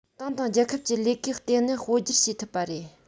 ཏང དང རྒྱལ ཁབ ཀྱི ལས ཀའི ལྟེ གནད སྤོ བསྒྱུར བྱེད ཐུབ པ རེད